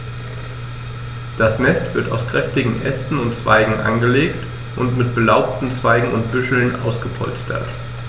Das Nest wird aus kräftigen Ästen und Zweigen angelegt und mit belaubten Zweigen und Büscheln ausgepolstert.